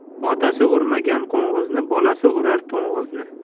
otasi urmagan qo'ng'izni bolasi urar to'ng'izni